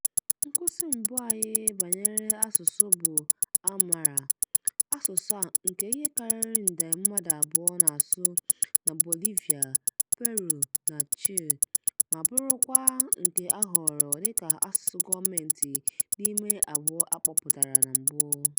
Nkwụsị mbụ anyị banyere asụsụ bụ Aymara; asụsụ a, nke ihe karịrị nde mmadụ abụọ na-asụ na Bolivia, Peru na Chile ma bụrụkwa nke a họọrọ dịka asụsụ gọọmentị n'ime abụọ a kpọpụtara na mbụ.